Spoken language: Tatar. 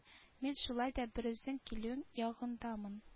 Мин шулай да берүзең килүең ягындамын